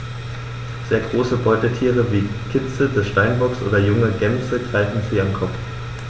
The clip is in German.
Sehr große Beutetiere wie Kitze des Steinbocks oder junge Gämsen greifen sie am Kopf.